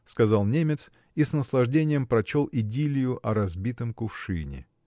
– сказал немец и с наслаждением прочел идиллию о разбитом кувшине.